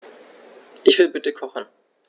Ich will bitte kochen.